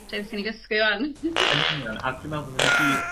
Tsiawns i ni gysgu ŵan. Yn union a dwi'n meddwl byddwn ni gyd